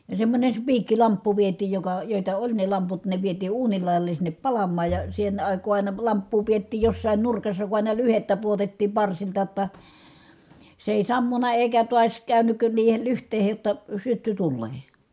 ja semmoinen spiikkilamppu vietiin joka joita oli ne lamput ne vietiin uunin laidalle sinne palamaan ja sen aikaa aina lamppua pidettiin jossakin nurkassa kun aina lyhdettä pudotettiin parsilta jotta se ei sammunut eikä taas käynyt niihin lyhteisiin jotta syttyi tuleen